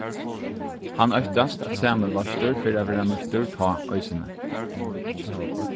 hann óttast at sami leistur fer at verða nýttur tá eisini